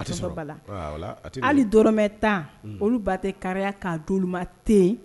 A haliɔrɔmɛ tan olu ba tɛ ka'a